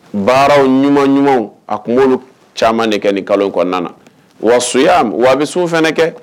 Baararaww ɲuman ɲuman a kunkolo caman de kɛ ni kalo kɔnɔna na wa soya wa a bɛ sun fana kɛ